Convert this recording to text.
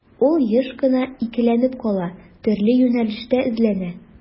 Ул еш кына икеләнеп кала, төрле юнәлештә эзләнә.